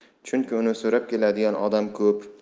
chunki uni so'rab keladigan odam ko'p